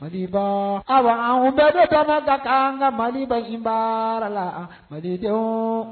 Maria aw an bɛɛ dɔ dama ta ka ka mali ba baara la ma tɛ